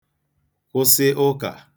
kwụsị ụka